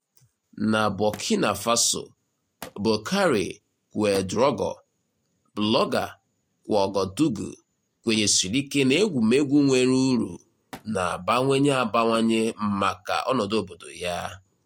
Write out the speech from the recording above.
Na Burkina Faso, Boukari Ouédraogo, blọga Ouagadougou, kwenyesiri ike na egwumegwu nwere uru na-abawanye abawanye maka ọnọdụ obodo ya.